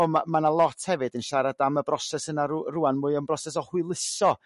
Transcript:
wel ma' ma' 'na lot hefyd yn siarad am y broses yna rw- rwan mwy am broses o hwyluso,